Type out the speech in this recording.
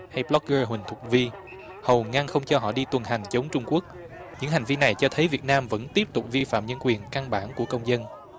hay bờ lốc gơ huỳnh thục vy hầu ngăn không cho họ đi tuần hành chống trung quốc những hành vi này cho thấy việt nam vẫn tiếp tục vi phạm nhân quyền căn bản của công dân